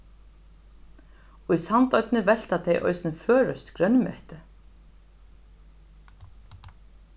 í sandoynni velta tey eisini føroyskt grønmeti